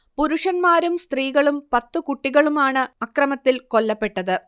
പുരുഷന്മാരും സ്ത്രീകളും പത്തു കുട്ടികളും ആണു അക്രമത്തിൽ കൊല്ലപ്പെട്ടത്